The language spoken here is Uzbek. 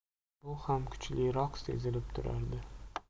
bu ham kuchliroq sezilib turardi